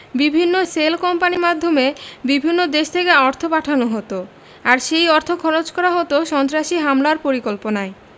বিভিন্ন শেল কোম্পানির মাধ্যমে বিভিন্ন দেশ থেকে অর্থ পাঠানো হতো আর সেই অর্থ খরচ করা হতো সন্ত্রাসী হামলার পরিকল্পনায়